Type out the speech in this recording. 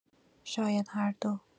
شاید هر دو.